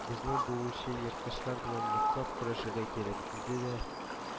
Безне буучы ерткычлар белән ныклап көрәшергә кирәк, — диде дә